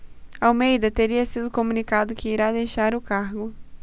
almeida teria sido comunicado que irá deixar o cargo